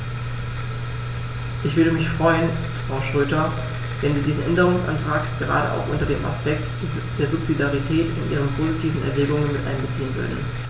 Ich würde mich freuen, Frau Schroedter, wenn Sie diesen Änderungsantrag gerade auch unter dem Aspekt der Subsidiarität in Ihre positiven Erwägungen mit einbeziehen würden.